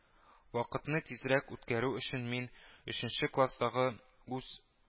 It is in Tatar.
Вакытны тизрәк үткәрү өчен мин, өченче класстагы үз